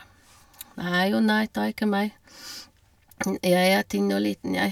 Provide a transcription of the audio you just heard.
Nei og nei, ta ikke meg, jeg er tynn og liten, jeg.